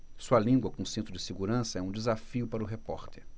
sua língua com cinto de segurança é um desafio para o repórter